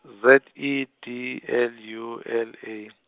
Z E D L U L A.